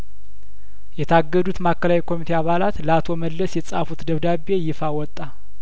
የታገዱት ማእከላዊ ኮሚቴ አባላት ለአቶ መለስ የጻፉት ደብዳቤ ይፋ ወጣ